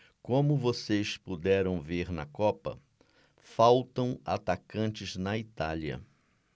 como vocês puderam ver na copa faltam atacantes na itália